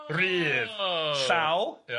Rydd. Llaw ia,